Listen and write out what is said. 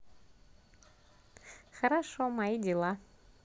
хорошо мои дела